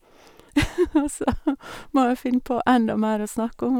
Og så må jeg finne på enda mer å snakke om.